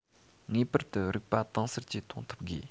ངེས པར དུ རིག པ དྭངས གསལ གྱིས མཐོང ཐུབ དགོས